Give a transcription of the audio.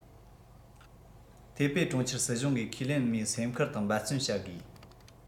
ཐའེ པེ གྲོང ཁྱེར སྲིད གཞུང གིས ཁས ལེན མོའི སེམས ཁུར དང འབད བརྩོན བྱ དགོས